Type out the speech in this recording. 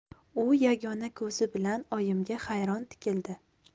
u yagona ko'zi bilan oyimga hayron tikildi